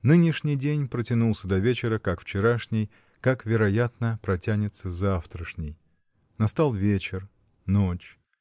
Нынешний день протянулся до вечера, как вчерашний, как, вероятно, протянется завтрешний. Настал вечер, ночь.